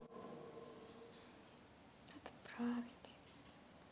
позвони генри арткос